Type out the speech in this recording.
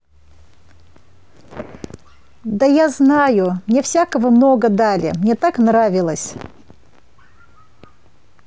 да я знаю мне всякого много дали мне так нравилось